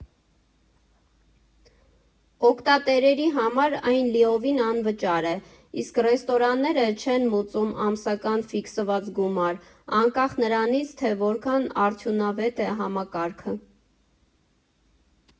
Օգտատերերի համար այն լիովին անվճար է, իսկ ռեստորանները չեն մուծում ամսական ֆիքսված գումար՝ անկախ նրանից, թե որքան արդյունավետ է համակարգը։